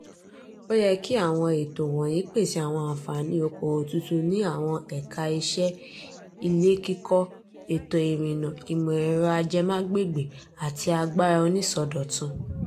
Ó yẹ kí àwọn ètò wọ̀nyìí pèsè àwọn àǹfààní òkòwò tuntun ní àwọn ẹ̀ka-iṣẹ́ ilé-kíkọ́, ètò ìrìnnà, ìmọ̀-ẹ̀rọ ajẹmágbègbè, àti agbára onísọdọ̀tun.